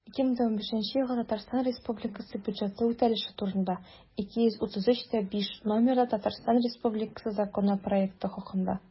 «2015 елгы татарстан республикасы бюджеты үтәлеше турында» 233-5 номерлы татарстан республикасы законы проекты хакында